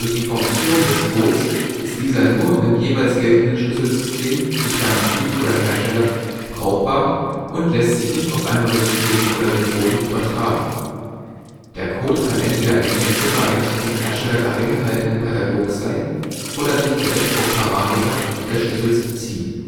die Formatierung des Codes ist dieser nur im jeweils geltenden Schlüsselsystem (Typ oder Hersteller) brauchbar und lässt sich nicht auf andere Systeme oder Methoden übertragen. Der Code kann entweder eine Kennziffer eines vom Hersteller geheim gehaltenen Katalogs sein oder sich direkt auf Parameter des Schlüssels beziehen